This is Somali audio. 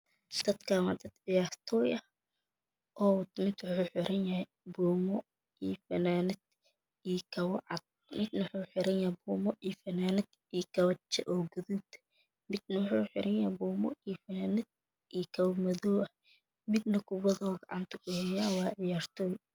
Dadkaan waa dad ciyaartooy ah oo mid wuxuu xiranyahay buumo fanaanad iyo kabo cad midna waxa uu xiran yahay buumo iyo funaanad iyo kaboo uguduud ah midna wuxuu xiranyahay buumo iyo funanad iyo kabo madow ah midna kubaduu gacanta ku hayaa wana ciyaartooy